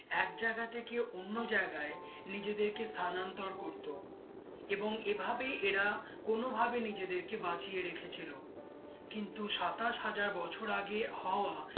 এক জায়গা থেকে অন্য জায়গায় নিজেদেরকে স্থানান্তর করত এবং এভাবেই এরা কোন ভাবে নিজেদের কে বাঁচিয়ে রেখেছিল কিন্তু ২৭ হাজার বছর আগে হওয়া